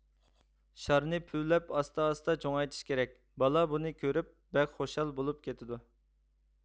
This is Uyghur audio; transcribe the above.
شارنى پۈۋلەپ ئاستا ئاستا چوڭايتىش كېرەك بالا بۇنى كۆرۈپ بەك خۇشال بولۇپ كېتىدۇ